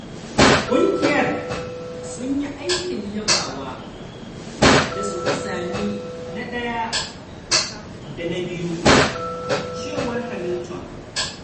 Kungiyar sunyi aikin yabawa da suka sami na daya da biyu,” cewar Hamilton.